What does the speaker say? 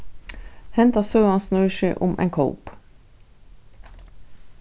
hendan søgan snýr seg um ein kóp